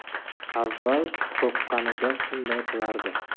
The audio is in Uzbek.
avval qurqqanida shunday qilardi